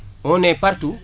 on est partout